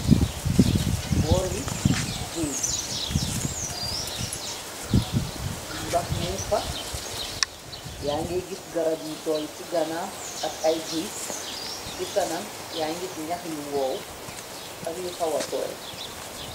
Boori gaej, ndox mun fa, yaa ngi gis garab yu tooy ci ganaw ak ay guy. Ci kanam yaa ngis ñax yu woow ak yu xawa tooy.